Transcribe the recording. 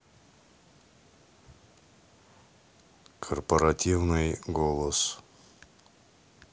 корпоративный голос